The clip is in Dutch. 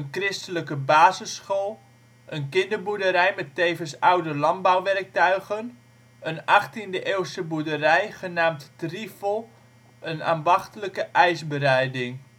Christelijke basisschool Kinderboerderij met tevens oude landbouwwerktuigen Een 18e-eeuwse boerderij, genaamd ' t Riefel (ambachtelijke ijsbereiding